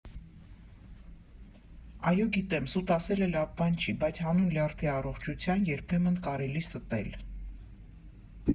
Այո, գիտեմ, սուտ ասելը լավ բան չի, բայց հանուն լյարդի առողջության երբեմն կարելի ստել։